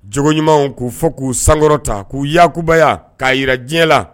Jo ɲumanw k'u fɔ k'u sankɔrɔ ta k'u yakubaya k'a jira diɲɛ la